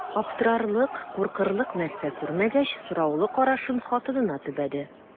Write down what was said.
Аптырарлык, куркырлык нәрсә күрмәгәч, сораулы карашын хатынына төбәде.